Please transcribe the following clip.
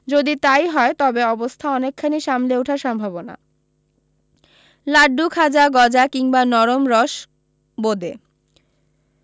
যদি তাই হয় তবে অবস্থা অনেকখানি সামলে ওঠার সম্ভাবনা লাড্ডু খাজা গজা কিংবা নরম রস বোঁদে